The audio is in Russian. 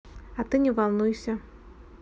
а ты не волнуйся